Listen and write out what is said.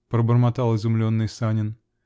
-- пробормотал изумленный Санин.